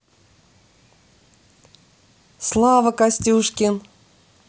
слава костюшкин